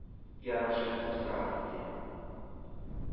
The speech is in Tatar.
Ярымшаяртып сораган иде: